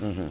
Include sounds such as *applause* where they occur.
*hesitation* *hesitation*